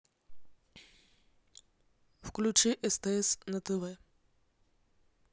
включи стс на тв